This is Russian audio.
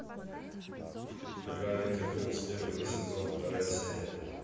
гравити фолз первый сезон вторая серия